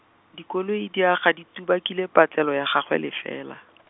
dikoloi di aga di tubakile patlelo ya gagwe lefela .